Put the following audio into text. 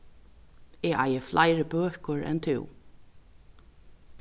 eg eigi fleiri bøkur enn tú